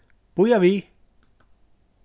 bíða við